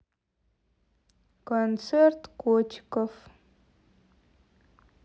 концерт котиков